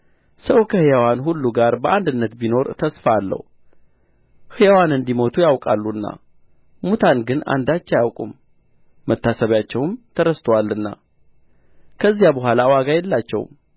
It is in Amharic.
ሰው ከሕያዋን ሁሉ ጋር በአንድነት ቢኖር ተስፋ አለው ሕያዋን እንዲሞቱ ያውቃሉና ሙታን ግን አንዳች አያውቁም መታሰቢያቸውም ተረስቶአልና ከዚያ በኋላ ዋጋ የላቸውም